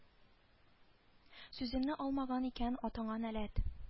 Сүземне алмаган икән атаңа нәләт